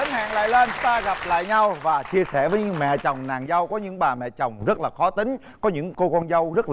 đến hẹn lại lên chúng ta gặp lại nhau và chia sẻ với mẹ chồng nàng dâu có những bà mẹ chồng rất là khó tính có những cô con dâu rất